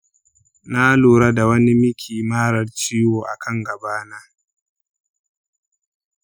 na lura da wani miki marar ciwo a kan gaba na.